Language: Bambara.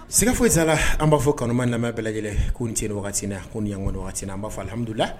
Sɛgɛfoz an b'a fɔ kanuma lamɛn bɛɛ lajɛlen ko n ti wagati na ko ɲ wagati b'ahamududulila la